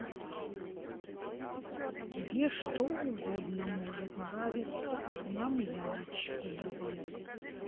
тебе что угодно может нравиться а нам лялечку давай